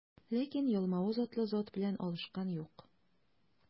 Ләкин Ялмавыз атлы зат белән алышкан юк.